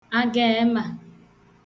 agaemà